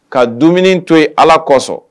Ka dumuni to yen ala kosɔn